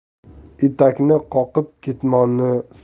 etakni qoqib ketmonni